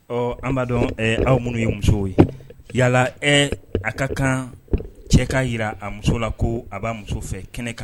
Ɔ an' dɔn aw minnu ye musow ye yala e a ka kan cɛ kaa jira a muso la ko a b'a muso fɛ kɛnɛ kan